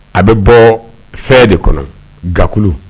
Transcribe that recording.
A bɛ bɔ fɛn de kɔnɔ guwakulu.